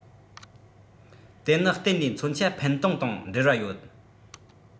དེ ནི གཏན ནས མཚོན ཆ འཕེན གཏོང དང འབྲེལ བ ཡོད